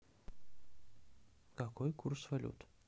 какой курс валют